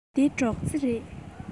འདི སྒྲོག རྩེ རེད